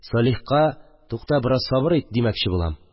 Салихка: «Тукта, бераз сабыр ит», – димәкче булам